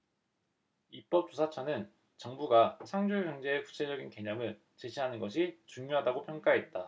입법조사처는 정부가 창조경제의 구체적인 개념을 제시하는 것이 중요하다고 평가했다